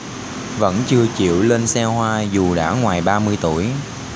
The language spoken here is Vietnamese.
vẫn chưa chịu lên xe hoa dù đã ngoài ba mươi tuổi